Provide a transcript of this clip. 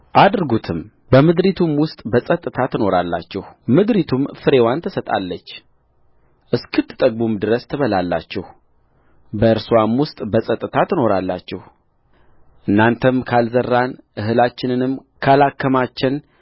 አድርጉትም በምድሪቱም ውስጥ በጸጥታ ትኖራላችሁምድሪቱም ፍሬዋን ትሰጣለች እስክትጠግቡም ድረስ ትበላላችሁ በእርስዋም ውስጥ በጸጥታ ትኖራላችሁእናንተም ካልዘራን እህላችንንም ካላከማቸን